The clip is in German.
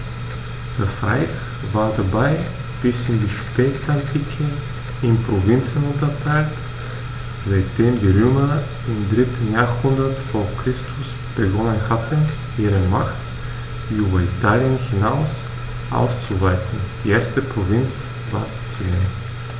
Das Reich war dabei bis in die Spätantike in Provinzen unterteilt, seitdem die Römer im 3. Jahrhundert vor Christus begonnen hatten, ihre Macht über Italien hinaus auszuweiten (die erste Provinz war Sizilien).